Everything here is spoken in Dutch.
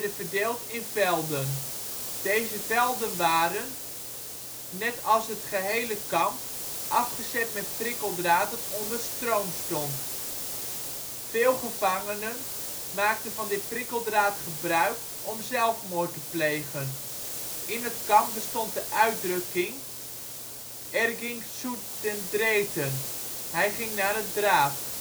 verdeeld in velden. Deze velden waren, net als het gehele kamp, afgezet met prikkeldraad dat onder stroom stond. Veel gevangenen maakten van dit prikkeldraad gebruik om zelfmoord te plegen. In het kamp bestond de uitdrukking er ging zu den Drähten (" hij ging naar de draad